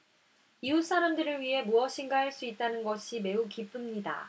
이웃 사람들을 위해 무엇인가 할 수 있다는 것이 매우 기쁩니다